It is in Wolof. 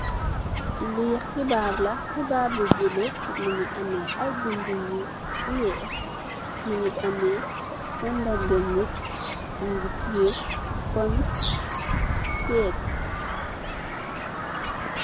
Li xibaar la xibaar bu bulu mongi ame ay binda yu weex mongi ame mandarga nitt mongi tiye kom seetu.